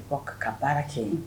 Bɔ ka ka baara kɛ yen